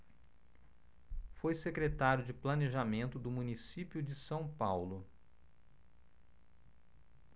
foi secretário de planejamento do município de são paulo